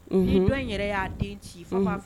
Nin dɔn in yɛrɛ ya den ci fa ba fɔ